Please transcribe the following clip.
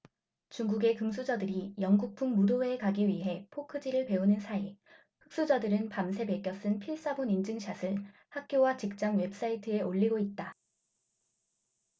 중국의 금수저들이 영국풍 무도회에 가기 위해 포크질을 배우는 사이 흑수저들은 밤새 베껴 쓴 필사본 인증샷을 학교와 직장 웹사이트에 올리고 있다